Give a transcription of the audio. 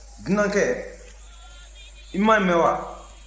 dunankɛ i m'a mɛn wa